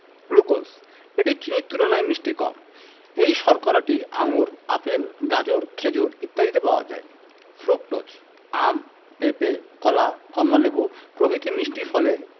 glucose এটি চিনির তুলনায় মিষ্টি কম এই শর্করাটি আঙুর আপেল গাজর খেজুর ইত্যাদিতে পাওয়া যায় ফ্রুকটোজ আম পেপে কলা কমলালেবু প্রভৃতি মিষ্টি ফলে